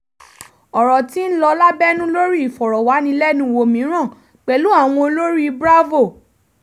Ọ̀rọ̀ ti ń lọ lábẹ́nú lórí ìfọ̀rọ̀wánilẹ́nuwò mìíràn pẹ̀lú àwọn olórí BRAVO!